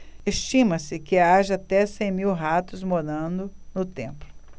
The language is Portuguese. estima-se que haja até cem mil ratos morando no templo